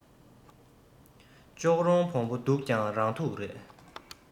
ལྕོག རོང བོང བུ སྡུག ཀྱང རང སྡུག རེད